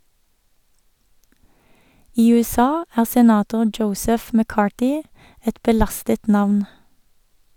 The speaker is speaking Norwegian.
I USA er senator Joseph McCarthy et belastet navn.